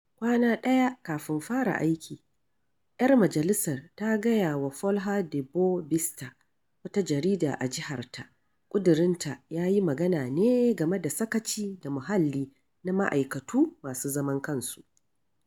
Kwana ɗaya kafin fara aiki, 'yar majalisar ta gaya wa Folha de Boa ɓista, wata jarida a jiharta, ƙudurin ya yi magana ne game da sakaci da muhalli na ma'aikatu masu zaman kansu: